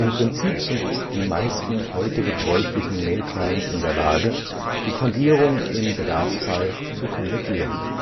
Prinzip sind die meisten heute gebräuchlichen Mail-Clients in der Lage, die Codierung im Bedarfsfall zu konvertieren